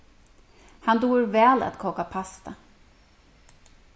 hann dugir væl at kóka pasta